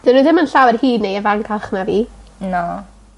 'Dyn n'w ddim yn llawer hŷn neu ifancach na fi. Na.